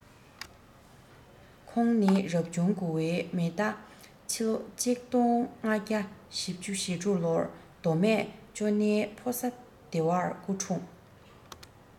ཁོང ནི རབ བྱུང དགུ བའི མེ རྟ ཕྱི ལོ ༡༥༤༦ ལོར མདོ སྨད ཅོ ནེའི ཕོ ས སྡེ བར སྐུ འཁྲུངས